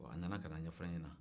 a nana ka na ɲɛfɔ ne ɲɛna